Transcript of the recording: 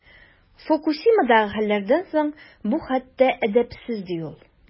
Фукусимадагы хәлләрдән соң бу хәтта әдәпсез, ди ул.